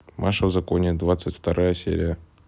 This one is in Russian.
маша в законе двадцать вторая серия